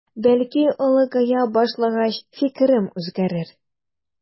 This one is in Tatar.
Бәлки олыгая башлагач фикерем үзгәрер.